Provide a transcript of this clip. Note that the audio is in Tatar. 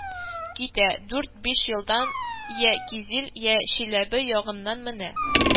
Китә, дүрт-биш елдан йә кизил, йә чиләбе ягыннан менә